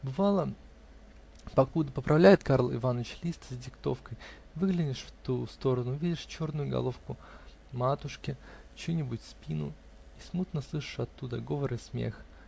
Бывало, покуда поправляет Карл Иваныч лист с диктовкой, выглянешь в ту сторону, видишь черную головку матушки, чью-нибудь спину и смутно слышишь оттуда говор и смех